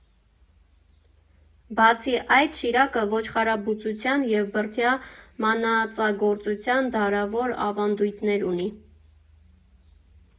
Բացի այդ՝ Շիրակը ոչխարաբուծության և բրդյա մանածագործության դարավոր ավանդույթներ ունի։